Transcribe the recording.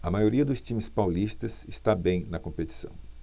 a maioria dos times paulistas está bem na competição